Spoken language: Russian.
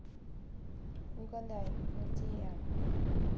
угадай где я